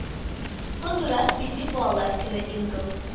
Һондурас милли балалар көне ингл